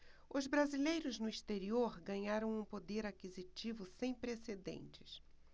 os brasileiros no exterior ganharam um poder aquisitivo sem precedentes